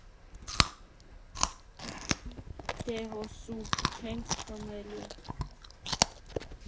Դե հո սուրճ չենք խմելու։